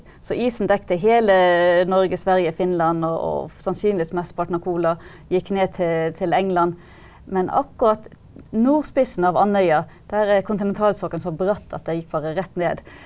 så isen dekte hele Norge, Sverige, Finland og og sannsynligvis mesteparten av Kola, gikk ned til til England, men akkurat nordspissen av Andøya der er kontinentalsokkelen så bratt at det gikk bare rett ned.